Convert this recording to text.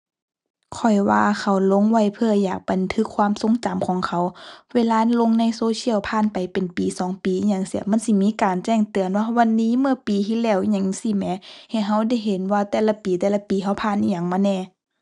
ข้อยว่าเขาลงไว้เพื่ออยากบันทึกความทรงจำของเขา เวลาลงในโซเชียลผ่านไปเป็นปีสองปีอิหยังจั่งซี้ มันสิมีการแจ้งเตือนว่าวันนี้เมื่อปีที่แล้วอิหยังจั่งซี้แหม ให้เราได้เห็นว่าแต่ละปีแต่ละปีเราผ่านอิหยังมาแหน่